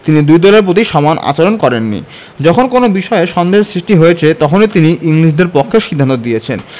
তিনি দুই দলের প্রতি সমান আচরণ করেননি যখন কোনো বিষয়ে সন্দেহের সৃষ্টি হয়েছে তখনই তিনি ইংলিশদের পক্ষে সিদ্ধান্ত দিয়েছেন